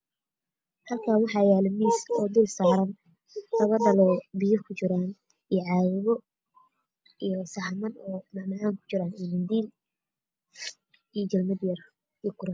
Halkan waxa yalo mis oo dulsartahay lado dhalo oo biyo kujiran oo cagago io sacaman oo macmcan kujiran io dabil io jalmad yare